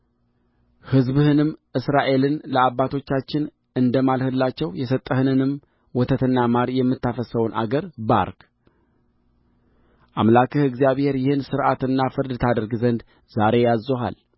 ሕዝብህንም እስራኤልን ለአባቶቻችን እንደ ማልህላቸው የሰጠኸንንም ወተትና ማር የምታፈስሰውን አገር ባርክ አምላክህ እግዚአብሔር ይህን ሥርዓትና ፍርድ ታደርግ ዘንድ ዛሬ አዝዞሃል